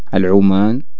العومان